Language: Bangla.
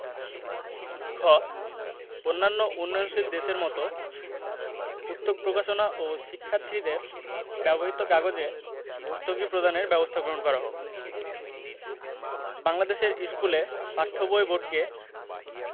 খ অন্যান্য উন্নয়নশীল দেশের মত পুস্তক প্রকাশনা ও শিক্ষার্থীদের ব্যবহৃত কাগজে ভর্তুকি প্রদানের ব্যবস্থা গ্রহণ করা হোক বাংলাদেশের স্কুলে পাঠ্য বই বোর্ডকে